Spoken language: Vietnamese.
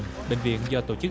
bệnh viện do tổ chức